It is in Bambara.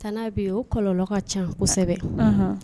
Tanti Abi , o kɔlɔlɔ ka caa kosɛbɛ.